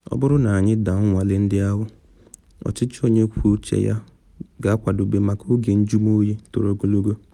Ọ bụrụ na anyị daa nnwale ndị ahụ, ọchịchị onye kwuo uche ya ga-akwadobe maka oge njụmoyi toro ogologo.